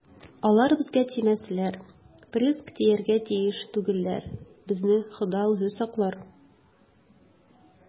- алар безгә тимәсләр, приск, тияргә тиеш түгелләр, безне хода үзе саклар.